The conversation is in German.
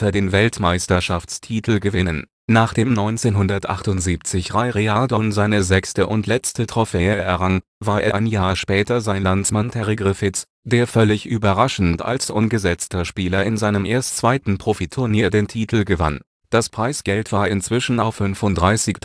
den Weltmeisterschaftstitel gewinnen. Nachdem 1978 Ray Reardon seine sechste und letzte Trophäe errang, war es ein Jahr später sein Landsmann Terry Griffiths, der völlig überraschend als ungesetzter Spieler in seinem erst zweiten Profiturnier den Titel gewann. Das Preisgeld war inzwischen auf 35.500